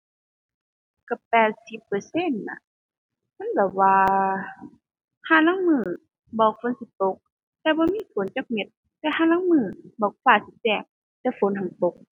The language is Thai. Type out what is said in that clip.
ก็แปดสิบเปอร์เซ็นต์นะ มันแบบว่าห่าลางมื้อบอกฝนสิตกแต่บ่มีฝนจักเม็ด แต่ห่าลางมื้อบอกฟ้าสิแจ้งแต่ฝนหั้นตก